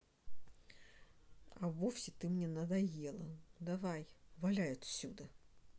а вовсе ты мне надоела давай валяй отсюда